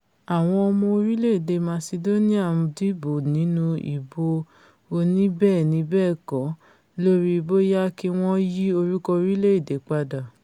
Àwọn ọmọ orílẹ̀-èdè Macedonia ń dìbò nínú ìbò oníbẹ́ẹ̀ni-bẹ́ẹ̀kọ́ lórí bóyá kí wọn yí orúkọ orilẹ̵-ede padà